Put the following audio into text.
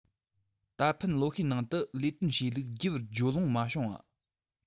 ད ཕན ལོ ཤས ནང དུ ལས དོན བྱས ལུགས རྒྱས པར བརྗོད ལོང མ བྱུང བ